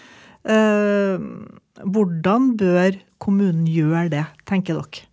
hvordan bør kommunen gjøre det tenker dere?